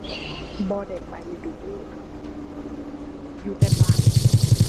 บ่ได้ไปดู๋ อยู่แต่บ้าน